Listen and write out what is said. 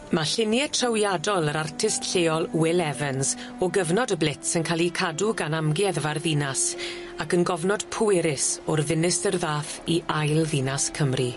Ma' llunie trywiadol yr artist lleol Will Evans o gyfnod y blitz yn ca'l 'i cadw gan amgueddfa'r ddinas ac yn gofnod pwerus o'r ddinistyr ddath i ail ddinas Cymru.